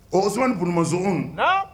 O koso ni bma zgun